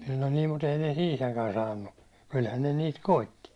no niin mutta ei ne siitäkään saanut kyllähän ne niitä koetti